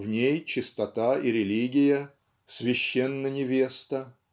В ней - чистота и религия. Священна невеста.